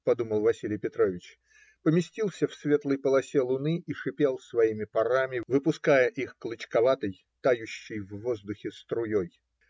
подумал Василий Петрович) поместился в светлой полосе луны и шипел своими парами, выпуская их клочковатой, тающей в воздухе струей